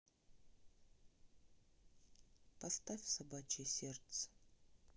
поставь собачье сердце